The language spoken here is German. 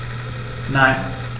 Nein.